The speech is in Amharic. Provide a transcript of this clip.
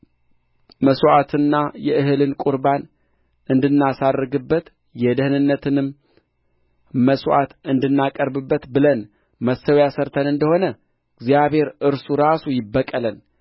መሥዋዕትና የእህል ቍርባን እንድናሳርግበት የደኅንነትንም መሥዋዕት እንድናቀርብበት ብለን መሠዊያ ሠርተን እንደ ሆነ እግዚአብሔር እርሱ ራሱ ይበቀለን